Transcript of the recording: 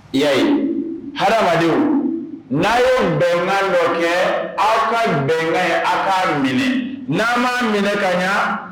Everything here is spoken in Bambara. I y'a ye hadamadenw n'a ye bɛnkan dɔ kɛ aw ka bɛnkan in a' k'a minɛ n'a' m'a minɛ ka ɲa